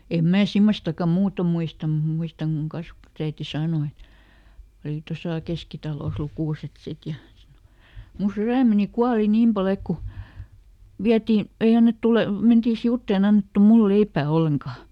en minä semmoistakaan muuten muista mutta muistan kun kasvatusäiti sanoi että oli tuossa Keskitalossa lukuset sitten ja - minun sydämeni kuoli niin paljon että kun vietiin ei annettu - mentiin sivuitse ei annettu minulle leipää ollenkaan